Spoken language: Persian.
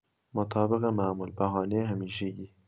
مطابق معمول، بهانه همیشگی!